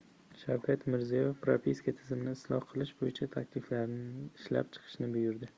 shavkat mirziyoyev propiska tizimini isloh qilish bo'yicha takliflar ishlab chiqishni buyurdi